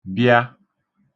bịa